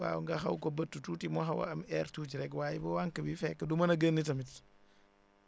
waaw nga xaw ko bëtt tuuti mu xaw a am air tuuti rek waaye bu wànq bi fekk du mën a génn tamit